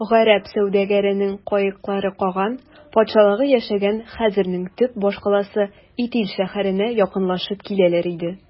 Гарәп сәүдәгәренең каеклары каган патшалыгы яшәгән хәзәрнең төп башкаласы Итил шәһәренә якынлашып киләләр иде.